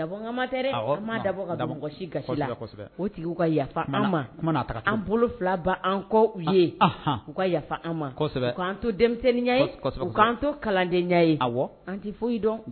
Bɔ ka an bolo filaba an kɔ u ye u ka yafa ye to kalandenya ye an tɛ foyi dɔn